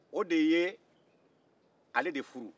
o de ye ale de furu